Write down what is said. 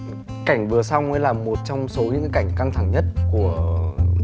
cảnh vừa xong ấy là một trong số những cái cảnh căng thẳng nhất của